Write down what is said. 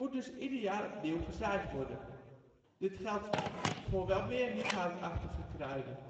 dus ieder jaar opnieuw gezaaid worden. Dit geldt voor wel meer niet-houtachtige kruiden